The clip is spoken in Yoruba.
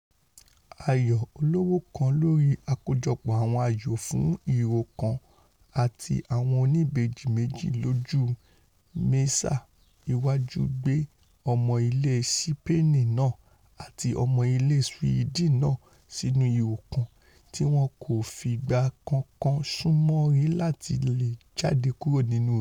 Ayò ọlọ́wọ́kan lórí àkójọpọ̀ àwọn ayò fún ihò kan ati awọn oníbejì méji lóju mẹ́ẹ̀sán iwáju gbẹ́ ọmọ ilẹ̀ Sipeeni náà àti ọmọ ilẹ̀ Siwidin náà sínú ihò kan tí wọn kò fígbà kankan súnmọ́ rí láti leè jadé kuro nínú rẹ̀.